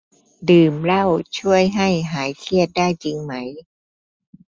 ดื่มเหล้าช่วยให้หายเครียดได้จริงไหม